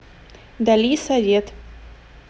dali совет